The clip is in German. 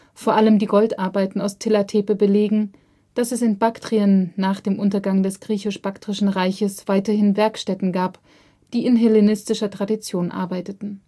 Vor allem die Goldarbeiten aus Tilla Tepe belegen, dass es in Baktrien nach dem Untergang des griechisch-baktrischen Reiches weiterhin Werkstätten gab, die in hellenistischer Tradition arbeiteten